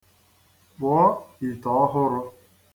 Kpụọ ite ọhụrụ.